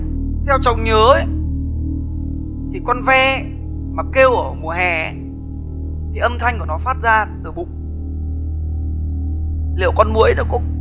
theo cháu nhớ ấy thì con ve mà kêu ở mùa hè ấy thì âm thanh của nó phát ra từ bụng liệu con muỗi nó có